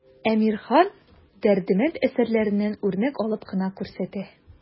Әмирхан, Дәрдемәнд әсәрләреннән үрнәк алып кына күрсәтә.